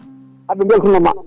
haaɓe beltonoma